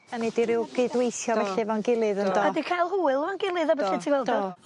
'Dan ni 'di ryw gydweithio felly... Do. ...efo'n gilydd on'do? Do. Wedi cael hwyl efo'n gilydd a felly... Do do. ...ti weld o.